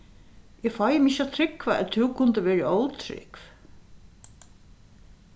eg fái meg ikki at trúgva at tú kundi verið ótrúgv